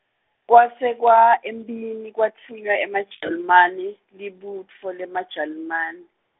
kwase kwa, emphini kwatfunywa emaJalimane, libutfo leMjalimane.